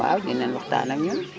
waaw dinañu waxtaan ak ñun